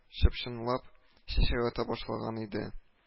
Чып-чынлап чәчәк ата башлаган иде